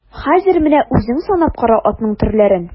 Хәзер менә үзең санап кара атның төрләрен.